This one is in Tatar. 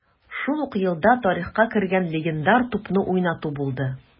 Шул ук елда тарихка кергән легендар тупны уйнату булды: